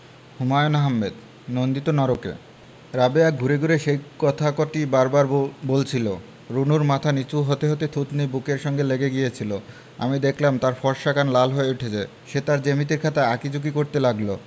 হুমায়ুন আহমেদ নন্দিত নরকে রাবেয়া ঘুরে ঘুরে সেই কথা কটিই বার বার বলছিলো রুনুর মাথা নীচু হতে হতে থুতনি বুকের সঙ্গে লেগে গিয়েছিলো আমি দেখলাম তার ফর্সা কান লাল হয়ে উঠছে সে তার জ্যামিতি খাতায় আঁকি ঝুকি করতে লাগলো